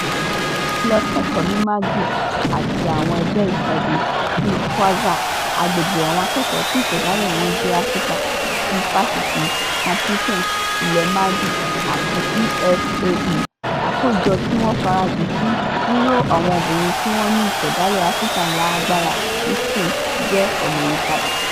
Lílọ kẹ́kọ̀ọ́ ní Madrid àti àwọn ẹgbẹ́ ìpàdé bíi Kwanzza [àgbègbè àwọn akẹ́kọ̀ọ́ tí ìṣẹ̀dálẹ̀ wọ́n jẹ́ Áfríkà ti Fásitì Complutense ilẹ̀ Madrid] àti E.F.A.E [àkójọ tí wọ́n f'ara jìn sí 'ríró àwọn obìnrin tí wọ́n ní ìṣẹ̀dálẹ̀ Áfríkà ní agbára' ní Spain] jẹ́ ọ̀nà ìyípadà.